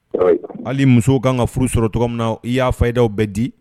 Hali musow kan ka furu sɔrɔ tɔgɔ min na i y'a fɔrindaw bɛ di